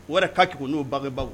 Wɛrɛ ka tuguku n'o bangebagaw